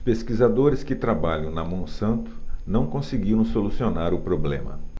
os pesquisadores que trabalham na monsanto não conseguiram solucionar o problema